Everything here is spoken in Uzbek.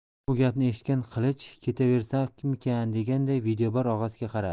bu gapni eshitgan qilich ketaversammikin deganday videobar og'asiga qaradi